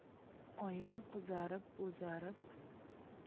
oyim qizarib bo'zarib